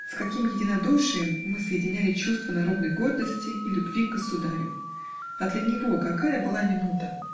С каким единодушием мы соединяли чувства народной гордости и любви к государю! А для него какая была минута!